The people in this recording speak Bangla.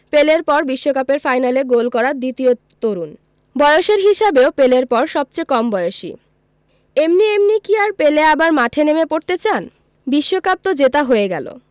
পেলের পর বিশ্বকাপের ফাইনালে গোল করা দ্বিতীয় তরুণ বয়সের হিসাবেও পেলের পর সবচেয়ে কম বয়সী এমনি এমনি কি আর পেলে আবার মাঠে নেমে পড়তে চান বিশ্বকাপ তো জেতা হয়ে গেল